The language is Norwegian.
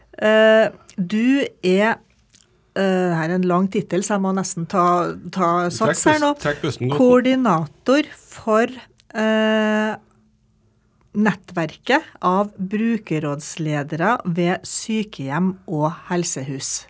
du er her er en lang tittel så jeg må nesten ta ta sats her nå koordinator for nettverket av brukerrådsledere ved sykehjem og helsehus.